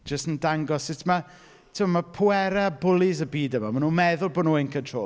Jyst yn dangos sut ma' timod, ma' pwerau a bwlis y byd yma, maen nhw'n meddwl bod nhw in control.